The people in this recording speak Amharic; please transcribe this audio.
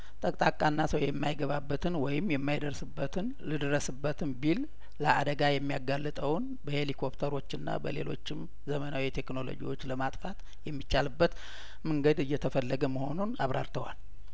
ጠቅጣቃና ሰው የማይገባበትን ወይም የማይደርስበትን ልድረስበትም ቢል ለአደጋ የሚያጋልጠውን በሂሊኮፕተሮችና በሌሎችም ዘመናዊ ቴክኖሎጂዎች ለማጥፋት የሚቻልበት ምንገድ እየተፈለገ መሆኑን አብራርተዋል